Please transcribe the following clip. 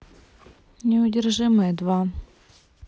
неудержимые два